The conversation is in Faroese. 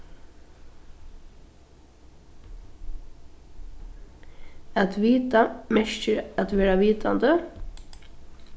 at vita merkir at vera vitandi